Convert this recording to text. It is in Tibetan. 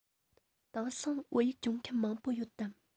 དེང སང བོད ཡིག སྦྱོང མཁན མང པོ ཡོད དམ